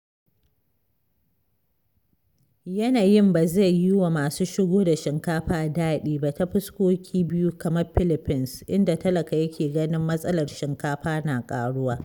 Yanayin ba zai yi wa masu shigo da shinkafa daɗi ba ta fuskoki biyu kamar Philippines, inda talaka yake ganin matsalar shinkafa na ƙaruwa.